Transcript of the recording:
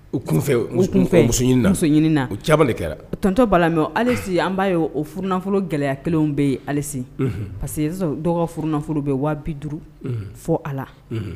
U kun fɛ u kun fɛ, o caaman de kɛra tonton Bala mais hali sisan an b'a ye o furu nafolo gɛlɛya kelen bɛ yen hali sisan, unhun, parce que sisan dɔ ka furu nafolo bɛ 250.000 fɔ a la